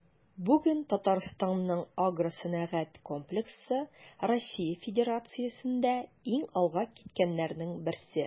Бүген Татарстанның агросәнәгать комплексы Россия Федерациясендә иң алга киткәннәрнең берсе.